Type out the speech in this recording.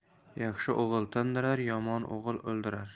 yaxshi o'g'il tindirar yomon o'g'il o'ldirar